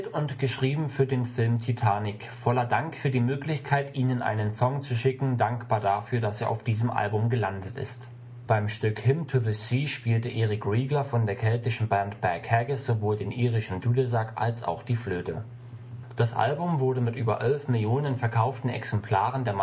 und geschrieben für den Film Titanic, voller Dank für die Möglichkeit, ihnen einen Song zu schicken, dankbar dafür, dass er auf diesem Album gelandet ist. “Beim Stück „ Hymn To The Sea “spielte Eric Rigler von der keltischen Band Bad Haggis sowohl den irischen Dudelsack als auch die Flöte. Das Album wurde mit über elf Millionen verkauften Exemplaren der